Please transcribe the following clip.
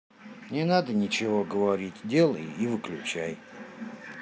не надо ничего говорить делай и выключай